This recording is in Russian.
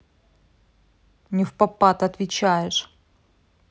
невпопад отвечаешь